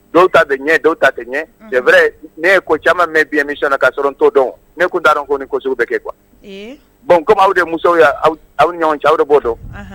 Dɔw ta bɛ ɲɛ dɔw ta tɛ ɲɛ unhun c'est vrai ne ye ko caman mɛ bi émission na kasɔrɔ n t'o dɔn o ne kun t'a dɔn ko nin ko sugu bɛ kɛ quoi eee bon comme aw de ye musow ye aw aw ni ɲɔgɔn cɛ aw de b'o dɔn anhan